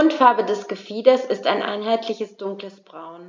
Grundfarbe des Gefieders ist ein einheitliches dunkles Braun.